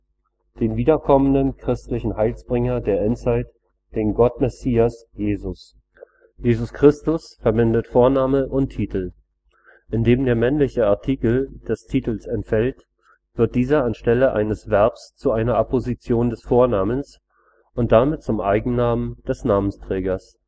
wiederkommenden christlichen Heilsbringer der Endzeit, den Gott-Messias Jesus. Hebräisch Griechische Übertragung Griechische Übersetzung Lateinisch Deutsch יהושוע Jehoschua Jeschua Jeschu Ἰησοῦς Jesus Jesus משיח Maschiach Μεσσίας Messias Χριστός Christos Christus Gesalbter Jesus Christus verbindet Vorname und Titel: Indem der männliche Artikel des Titels entfällt, wird dieser anstelle eines Verbs zu einer Apposition des Vornamens und damit zum Eigennamen des Namensträgers